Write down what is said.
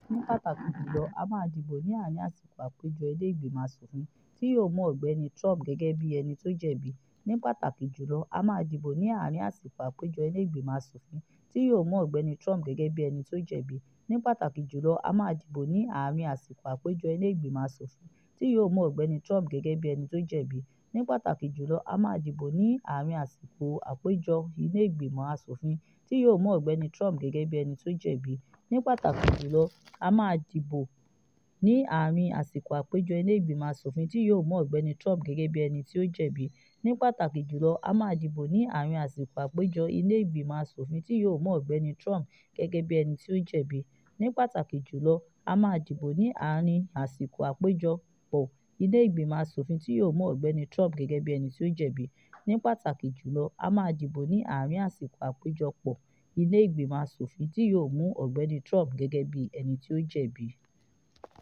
Ní pàtàkì jùlọ, a máa dìbò ní àárín àsìkò àpéjọpọ̀ Ìlé ìgbìmọ̀ aṣòfin tí yóò mú Ọ̀gbẹ́ni Trump gẹ́gẹ́ bí ẹni tó jẹ̀bi?